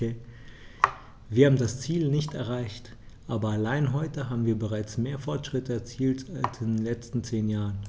Wir haben das Ziel nicht erreicht, aber allein heute haben wir bereits mehr Fortschritte erzielt als in den letzten zehn Jahren.